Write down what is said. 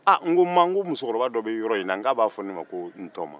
n ko ma ko musokɔrɔba dɔ bɛ yɔrɔ in na n k'a b'a fɔ ne ma ko n tɔgɔma